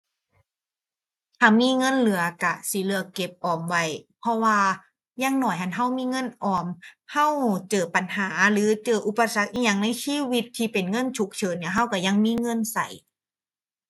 ถ้ามีเงินเหลือก็สิเลือกเก็บออมไว้ เพราะว่าอย่างน้อยหั้นก็มีเงินออม ก็เจอปัญหาหรือเจออุปสรรคอิหยังในชีวิตที่เป็นเงินฉุกเฉินเนี่ย ก็ก็ยังมีเงินก็